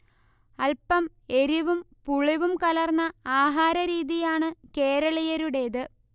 അല്പം എരിവും പുളിവും കലർന്ന ആഹാരരീതിയാണ് കേരളീയരുടേത്